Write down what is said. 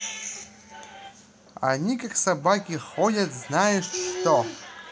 они как собаки ходят знаешь что